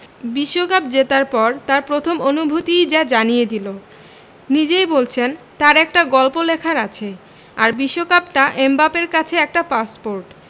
বিশ্বকাপ জেতার পর তাঁর প্রথম অনুভূতিই যা জানিয়ে দিল নিজেই বলছেন তাঁর একটা গল্প লেখার আছে আর বিশ্বকাপটা এমবাপ্পের কাছে একটা পাসপোর্ট